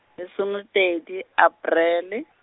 lesomepedi Aparele .